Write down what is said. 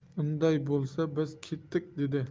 unday bo'lsa biz ketdik dedi